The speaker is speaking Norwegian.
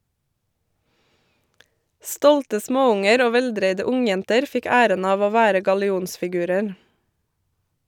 Stolte småunger og veldreide ungjenter fikk æren av å være gallionsfigurer.